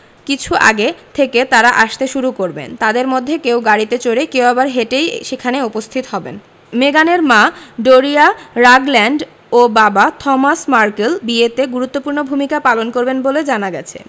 কিছু আগে থেকে তাঁরা আসতে শুরু করবেন তাঁদের মধ্যে কেউ গাড়িতে চড়ে কেউ আবার হেঁটেই সেখানে উপস্থিত হবেন মেগানের মা ডোরিয়া রাগল্যান্ড ও বাবা থমাস মার্কেল বিয়েতে গুরুত্বপূর্ণ ভূমিকা পালন করবেন বলে জানা গেছে